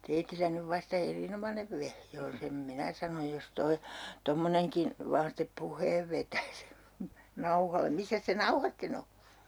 teillä nyt vasta erinomainen vehje on sen minä sanon jos tuo tuommoinenkin vain sitten puheen vetäisi nauhalle missä se nauha sitten on